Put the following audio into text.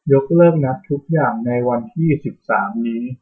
ยกเลิกนัดทุกอย่างในวันที่สิบสามนี้